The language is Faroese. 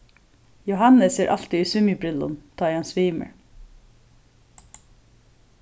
jóhannes er altíð í svimjibrillum tá ið hann svimur